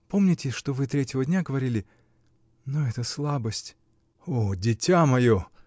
Помните, что вы третьего дня говорили? Но это слабость. -- О дитя мое!